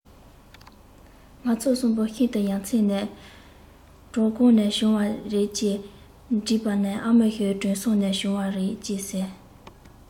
ང ཚོ གསུམ པོ ཤིན ཏུ ཡ མཚན ནས གྲོ གང ནས བྱུང བ རེད ཅེས དྲིས པ ན ཨ མས གྲོ སོན ནས བྱུང བ རེད ཅེས ཟེར